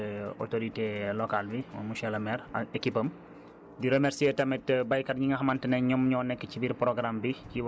di remercier population bi yépp di ci remercier waale tait autorités locales bi moom monsieur le maire ak ekibam